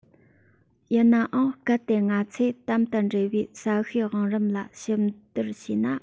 ཡིན ནའང གལ ཏེ ང ཚོས དམ དུ འབྲེལ བའི ས གཤིས བང རིམ ལ ཞིབ བསྡུར བྱས ན